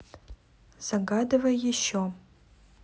загадывай еще